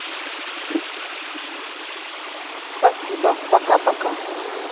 спасибо пока пока